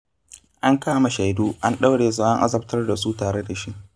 An kama shaidu, an ɗaure su an azabtar da su tare da shi.